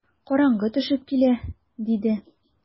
Караңгы төшеп килә, - диде.